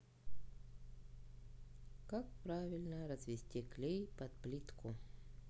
как правильно развести клей под плитку